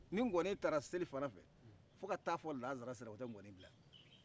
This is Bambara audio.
ni ŋɔni tara selifana fɛ fo ka ta fɔ lazara sera u tɛ u tɛ ŋɔni bila